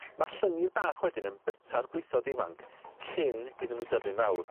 Ma'r llyngyr bach wedyn yn bita'r gwlithod ifanc cyn iddyn n'w dyfu'n fawr.